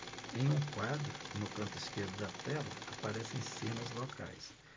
em um quadro no canto esquerdo da tela aparecem cenas locais